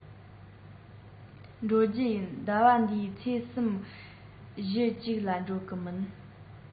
འགྲོ རྒྱུ ཡིན ཟླ བ འདིའི ཚེས གསུམ བཞི ཅིག ལ འགྲོ གི ཡིན